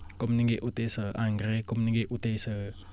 comme ni ngay utee sa engrais comme ni ngay utee sa